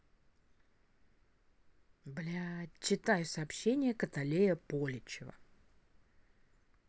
блядь читаю сообщения каталея поличева